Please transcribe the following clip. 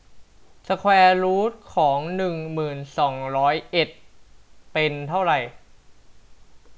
สแควร์รูทของหนึ่งหมื่นสองร้อยเอ็ดเป็นเท่าไหร่